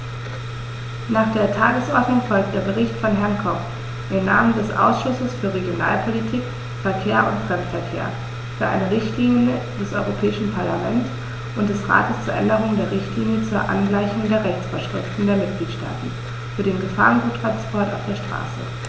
Nach der Tagesordnung folgt der Bericht von Herrn Koch im Namen des Ausschusses für Regionalpolitik, Verkehr und Fremdenverkehr für eine Richtlinie des Europäischen Parlament und des Rates zur Änderung der Richtlinie zur Angleichung der Rechtsvorschriften der Mitgliedstaaten für den Gefahrguttransport auf der Straße.